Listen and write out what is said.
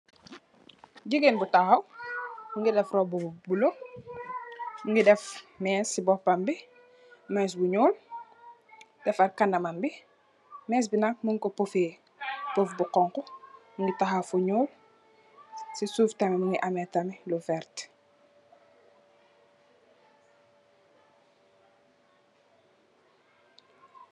Jigéen bu taxaw, mu ngi def robbu bu bulo, mu ngi def mess si boppam bi, mees bu ñuul, mu ngi defar kanamam bi, mees bi nak, ñung ko poffé bu xoñxu, mu ngi taxaw fu ñuul, si suuf tamit mu ngi amee tamit lu werta,